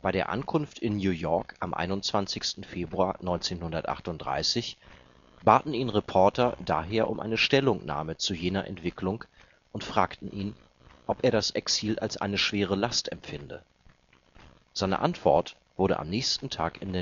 der Ankunft in New York am 21. Februar 1938 baten ihn Reporter daher um eine Stellungnahme zu jener Entwicklung und fragten ihn, ob er das Exil als eine schwere Last empfinde. Seine Antwort wurde am nächsten Tag in